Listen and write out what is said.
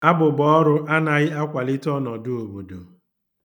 Abụbọọrụ anaghị akwalite ọnọdụ obodo.